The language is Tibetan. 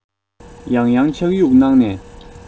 ཡང ཡང ཕྱག གཡུགས གནང ནས